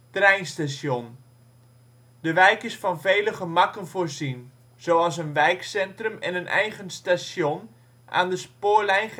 De wijk is van vele gemakken voorzien, zoals een winkelcentrum en een eigen station aan de spoorlijn